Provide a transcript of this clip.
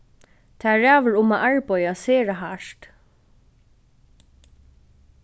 tað ræður um at arbeiða sera hart